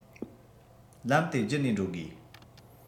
ལམ དེ བརྒྱུད ནས འགྲོ དགོས